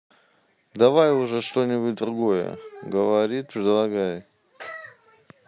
давай уже что нибудь другое говорит предлагай